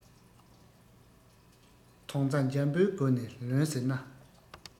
དོན རྩ འཇམ པོའི སྒོ ནས ལོན ཟེར ན